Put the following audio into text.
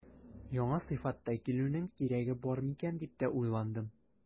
Яңа сыйфатта килүнең кирәге бар микән дип тә уйландым.